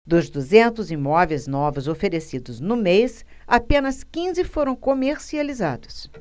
dos duzentos imóveis novos oferecidos no mês apenas quinze foram comercializados